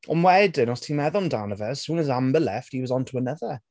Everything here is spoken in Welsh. Ond wedyn, os ti'n meddwl amdano fe, as soon as Amber left, he was on to another!